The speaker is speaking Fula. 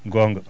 gonga